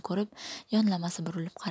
yonlamasi burilib qaradi